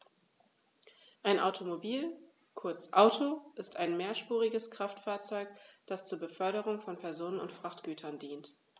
Ein Automobil, kurz Auto, ist ein mehrspuriges Kraftfahrzeug, das zur Beförderung von Personen und Frachtgütern dient.